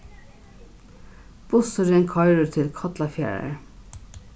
bussurin koyrir til kollafjarðar